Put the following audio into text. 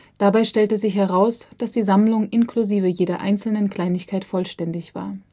Dabei stellte sich heraus, dass die Sammlung inklusive jeder einzelnen Kleinigkeit vollständig war